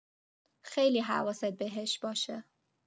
خیلی حواست بهش باشه.